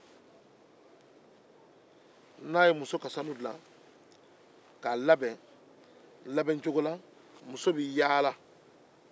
n'a ye muso ka sanu labɛn muso bɛ yaala